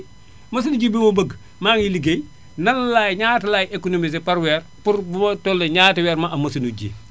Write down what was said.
machine nu ji bi ma bëgg maa ngi ligéey nal laay ñaata laay économisé par weer pour bu ma tollee ñaata weer ma am machine nu ji